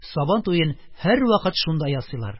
Сабан туен һәрвакыт шунда ясыйлар.